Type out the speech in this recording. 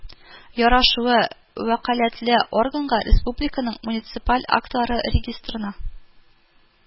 Ярашлы, вәкаләтле органга республиканың муниципаль актлары регистрына